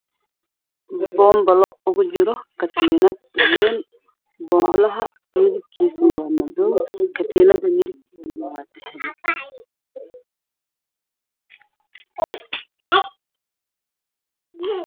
Bobilo kujiro katinad bobilah midabkis waa madow katinada midabkedu waa dahbi